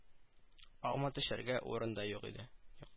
Алма төшәргә дә урын юк иде